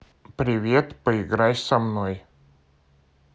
привет поиграй со мной